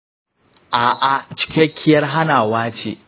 a’a, cikakkiyar hanawa ce.